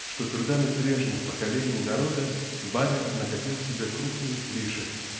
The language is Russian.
что трудами прежних поколений народа барин накопил себе крупный излишек